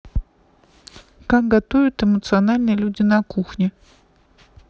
как готовят эмоциональные люди на кухне